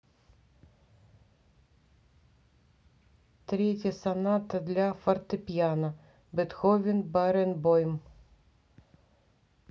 третья соната для фортепиано бетховен баренбойм